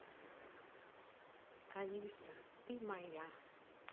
алиса ты моя